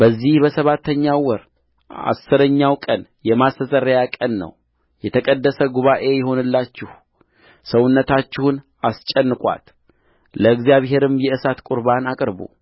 በዚህ በሰባተኛው ወር አሥረኛው ቀን የማስተስረያ ቀን ነው የተቀደሰ ጉባኤ ይሁንላችሁ ሰውነታችሁን አስጨንቋት ለእግዚአብሔርም የእሳት ቍርባንን አቅርቡ